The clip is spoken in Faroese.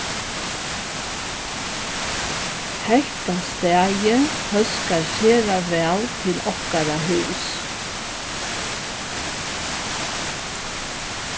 hetta staðið hóskar sera væl til okkara hús